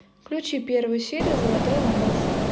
включи первую серию золотой алмаз